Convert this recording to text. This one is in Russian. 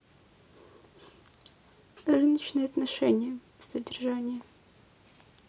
рыночные отношения задержание